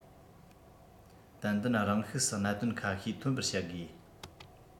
ཏན ཏན རང ཤུགས སུ གནད དོན ཁ ཤས ཐོན པར བྱ དགོས